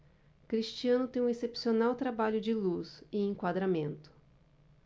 cristiano tem um excepcional trabalho de luz e enquadramento